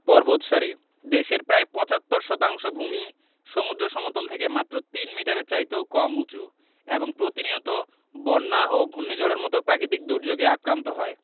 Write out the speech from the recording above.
পর্বতসারি দেশের প্রায় ৭৫ শতাংশ ভূমিই সমুদ্র সমতল থেকে মাত্র তিন মিটারের চাইতেও কম উঁচু এবং প্রতিনিয়ত বন্যা ও ঘূর্ণিঝড়ের মতো প্রাকৃতিক দুর্যোগে আক্রান্ত হয়